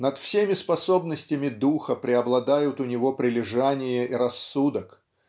Над всеми способностями духа преобладают у него прилежание и рассудок